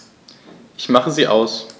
Ich mache sie aus.